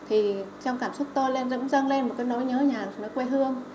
thì trong cảm tôi lên cũng dâng lên nỗi nhớ nhà nhớ quê hương